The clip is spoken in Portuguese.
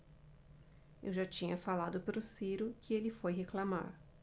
eu já tinha falado pro ciro que ele foi reclamar